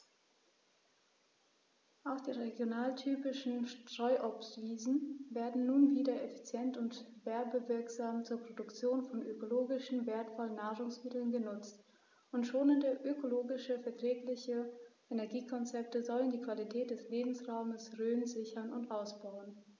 Auch die regionaltypischen Streuobstwiesen werden nun wieder effizient und werbewirksam zur Produktion von ökologisch wertvollen Nahrungsmitteln genutzt, und schonende, ökologisch verträgliche Energiekonzepte sollen die Qualität des Lebensraumes Rhön sichern und ausbauen.